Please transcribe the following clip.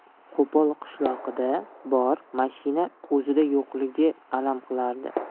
qo'pol qishloqida bor mashina o'zida yo'qligi alam qilardi